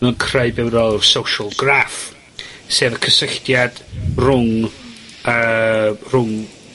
ma' o'n creu be' social graph, sef y cysylltiad rwng yy, rhwng